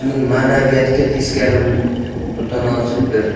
ularning ma'naviyatiga teskari mutanosibdir